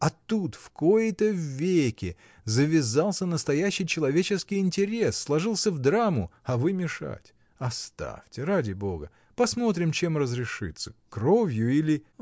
А тут в кои-то веки завязался настоящий человеческий интерес, сложился в драму, а вы — мешать!. Оставьте, ради Бога! Посмотрим, чем разрешится. кровью или.